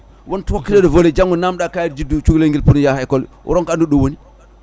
won dokketeɗo voltet janggo namdoɗa kayit juddu cukalel nguel pour yaaha école o ronka andude ɗo woni